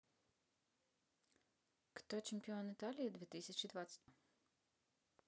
кто чемпион италии две тысячи двадцать первого года